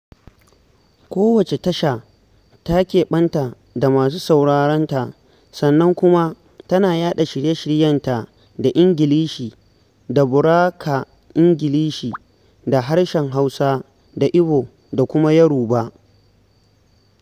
Kowace tasha ta keɓanta da masu sauraron ta, sannan kuma tana yaɗa shirye-shiryenta da Ingilishi da Buraka Ingilish da harshen Hausa da Igbo da kuma Yoruba.